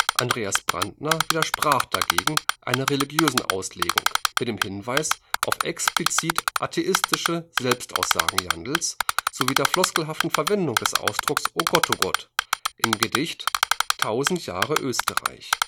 Andreas Brandtner widersprach dagegen einer religiösen Auslegung mit Hinweis auf explizit atheistische Selbstaussagen Jandls sowie der floskelhaften Verwendung des Ausdrucks „ ohgottogott “im Gedicht 1000 jahre ÖSTERREICH